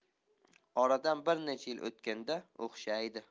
oradan bir necha yil o'tganga o'xshaydi